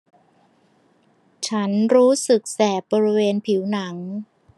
ฉันรู้สึกแสบบริเวณผิวหนัง